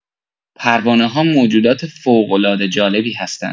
پروانه‌ها موجودات فوق‌العاده جالبی هستن!